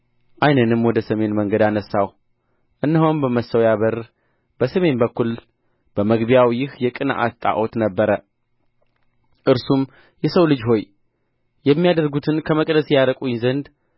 ዓይኔንም ወደ ሰሜን መንገድ አነሣሁ እነሆም በመሠዊያው በር በሰሜን በኩል በመግቢያው ይህ የቅንዓት ጣዖት ነበረ እርሱም የሰው ልጅ ሆይ የሚያደርጉትን ከመቅደሴ ያርቁኝ ዘንድ